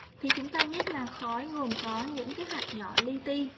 thì chúng ta biết là khó gồm có những cái hạt nhỏ li ti